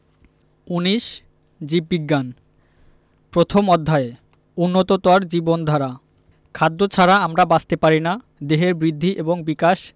১৯ জীববিজ্ঞান প্রথম অধ্যায় উন্নততর জীবনধারা খাদ্য ছাড়া আমরা বাঁচতে পারি না দেহের বৃদ্ধি এবং বিকাশ